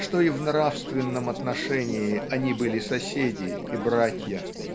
что и в нравственном отношении они были соседи и братья.